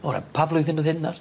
O re- pa flwyddyn oedd hyn nawr?